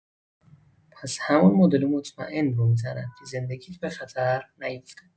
پس همون مدل مطمئن رو می‌زنم که زندگی‌ات به خطر نیفته.